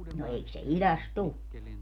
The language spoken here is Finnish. no eikö se idästä tule